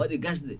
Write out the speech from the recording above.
waɗi gasɗe